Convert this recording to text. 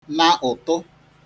na ụ̀tụ